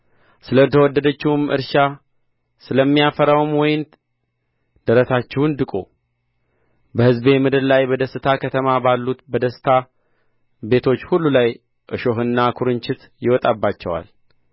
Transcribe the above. ስለ ተወደደችውም እርሻ ስለሚያፈራውም ወይን ደረታችሁን ድቁ በሕዝቤ ምድር ላይ በደስታ ከተማ ባሉት በደስታ ቤቶች ሁሉ ላይ እሾህና ኵርንችት ይወጣባቸዋል